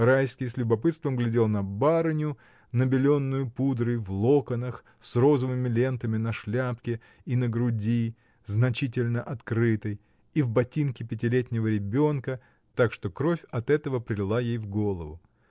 Райский с любопытством глядел на барыню, набеленную пудрой, в локонах, с розовыми лентами на шляпке и на груди, значительно открытой, и в ботинке пятилетнего ребенка, так что кровь от этого прилила ей в голову.